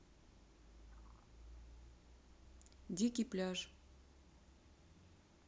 дикий пляж